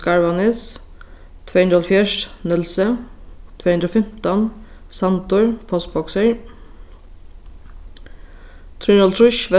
skarvanes tvey hundrað og hálvfjerðs nólsoy tvey hundrað og fimtan sandur postboksir trýoghálvtrýss